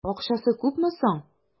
Акчасы күпме соң?